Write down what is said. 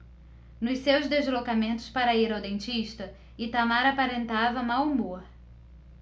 nos seus deslocamentos para ir ao dentista itamar aparentava mau humor